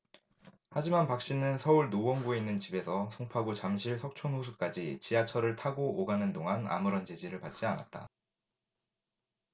하지만 박씨는 서울 노원구에 있는 집에서 송파구 잠실 석촌호수까지 지하철을 타고 오가는 동안 아무런 제지를 받지 않았다